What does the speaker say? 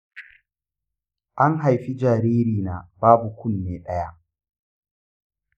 an haifi jaririna babu ƙunne ɗaya.